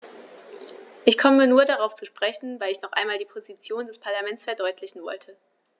Ich komme nur darauf zu sprechen, weil ich noch einmal die Position des Parlaments verdeutlichen wollte.